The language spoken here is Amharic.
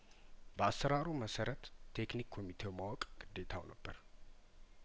በአሰራሩ መሰረት ቴክኒክ ኮሚቴው ማወቅ ግዴታው ነበር